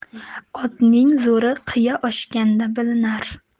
otning zo'ri qiya oshganda bilinar